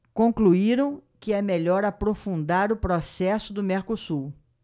concluíram que é melhor aprofundar o processo do mercosul